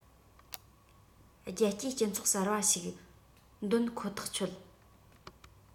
རྒྱལ སྤྱིའི སྤྱི ཚོགས གསར པ ཞིག འདོན ཁོ ཐག ཆོད